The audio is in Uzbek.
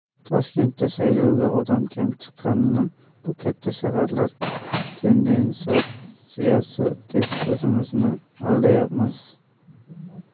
toshkentda saylovga odam kam chiqqanini bu katta shaharlar tendensiyasi deb o'zimizni aldayapmiz